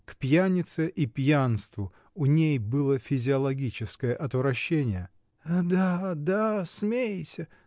К пьянице и пьянству у ней было физиологическое отвращение. — Да, да, смейся!